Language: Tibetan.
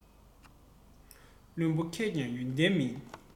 བླུན པོ མཁས ཀྱང ཡོན ཏན མིན